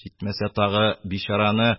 Җитмәсә тагы, бичараны